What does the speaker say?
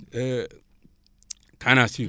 canne à sucre